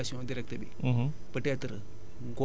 donc daal li gën ci utilisation directe bi